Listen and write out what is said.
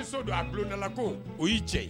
I so don a bulonlondala ko o y'i cɛ ye